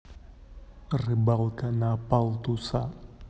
рыбалка на палтуса